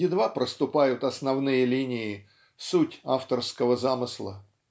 едва проступают основные линии суть авторского замысла.